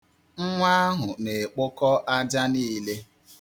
Nwa ahụ na-ekpokọ aja niile.